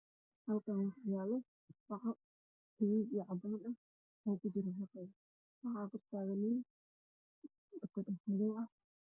Halkaas waxaa yaalo baco bacaas oo guduuda waxaana ku jiro raqay aanu dulsaaran teed ba